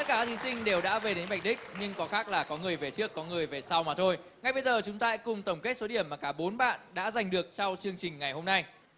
cả các thí sinh đều đã về đến vạch đích nhưng có khác là có người về trước có người về sau mà thôi ngay bây giờ chúng ta hãy cùng tổng kết số điểm mà cả bốn bạn đã giành được sau chương trình ngày hôm nay